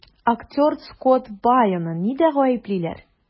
Актер Скотт Байоны нидә гаеплиләр?